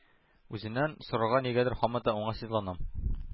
Үзеннән сорарга нигәдер һаман да уңайсызланам.